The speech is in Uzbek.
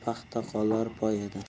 paxta qolar poyada